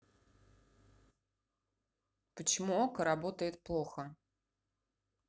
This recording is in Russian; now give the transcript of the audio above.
почему okko работает плохо